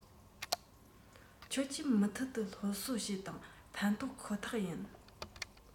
ཁྱོད ཀྱིས མུ མཐུད དུ སློབ གསོ བྱོས དང ཕན ཐོགས ཁོ ཐག ཡིན